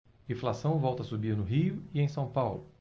inflação volta a subir no rio e em são paulo